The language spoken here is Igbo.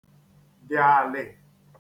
dị̀ àlị̀